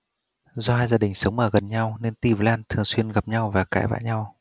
do hai gia đình sống ở gần nhau nên ty và lan thường xuyên gặp nhau và cãi vã nhau